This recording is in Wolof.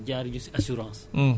surtout yenn banque yi